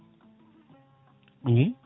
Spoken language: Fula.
ɗum